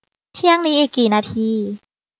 เที่ยงนี้อีกกี่นาที